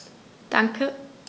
Danke.